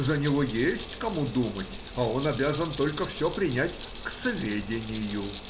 за него есть кому думать, а он обязан только все принять к сведению.